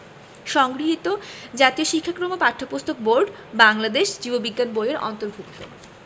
সংগৃহীত জাতীয় শিক্ষাক্রম ও পাঠ্যপুস্তক বোর্ড বাংলাদেশ জীব বিজ্ঞান বই এর অন্তর্ভুক্ত